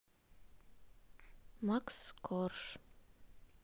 макс корж